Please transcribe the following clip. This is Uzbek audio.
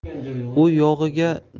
u yog'iga nima qilishini